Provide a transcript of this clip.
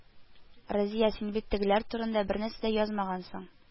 Разия, син бит тегеләр турында бернәрсә дә язмагансың